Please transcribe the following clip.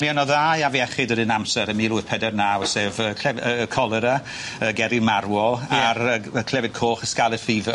Mi o' 'no ddau afiechyd yr un amser ym mil wyth peder naw sef yy clef- yy cholera y gerri marwol... Ie. ...a'r yy g- y clefyd coch y scarlet fever.